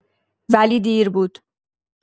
ولی دیر بود.